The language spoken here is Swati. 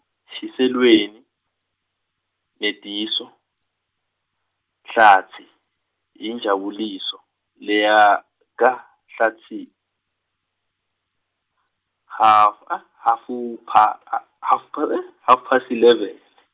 Shiselweni, Nediso, Hlatsi, yiNjabuliso, leya kaHlatsi, hhafa- hhafupha- a-, half pa- half past eleven.